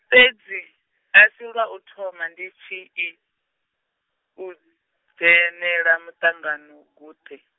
fhedzi, a si lwa u thoma ndi tshi i, udzhenela- muṱanganoguṱe.